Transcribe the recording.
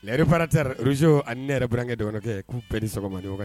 Re fana taara zo ne yɛrɛ bkɛ dɔgɔkɛ ye'u bɛn ni sɔgɔma